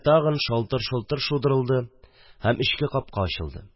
Тагын шалтыр-шолтыр шудырылды һәм эчке капка ачылды